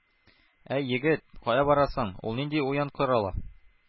— әй, егет, кая барасың, ул нинди уен коралы,